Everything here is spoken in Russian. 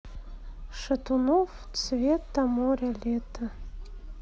шатунов цвета моря лето